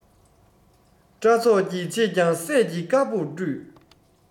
སྐྲ ཚོགས ཀྱི ཕྱེད ཀྱང སད ཀྱིས དཀར བོར བཀྲུས